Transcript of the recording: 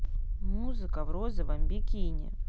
музыка в розовом бикини